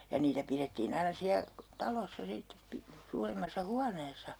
ja niitä pidettiin aina siellä talossa sitten - suuremmassa huoneessa